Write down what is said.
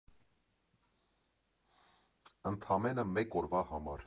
Ընդամենը մեկ օրվա համար։